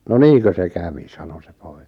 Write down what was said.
no niinkö se kävi sanoi se poika